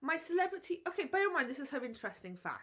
My celebrity, ok bearing in mind this is her interesting fact